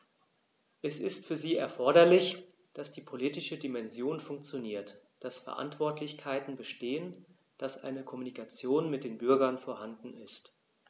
Es ist für sie erforderlich, dass die politische Dimension funktioniert, dass Verantwortlichkeiten bestehen, dass eine Kommunikation mit den Bürgern vorhanden ist.